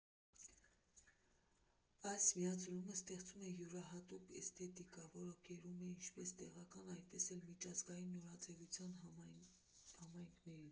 Այս միաձուլումը ստեղծում է յուրահատուկ էսթետիկա, որը գերում է ինչպես տեղական, այնպես էլ միջազգային նորաձևության համայնքներին։